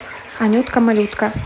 анютка малютка